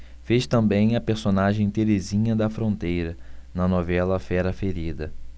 fez também a personagem terezinha da fronteira na novela fera ferida